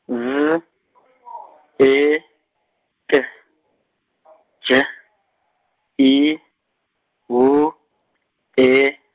Z, E, T, J, I, W, E.